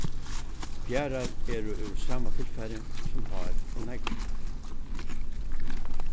fjaðrar eru úr sama tilfari sum hár og negl